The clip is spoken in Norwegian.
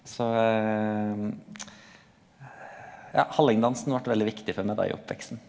så ja hallingdansen vart veldig viktig for meg da i oppveksten.